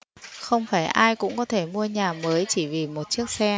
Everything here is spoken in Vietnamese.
không phải ai cũng có thể mua nhà mới chỉ vì một chiếc xe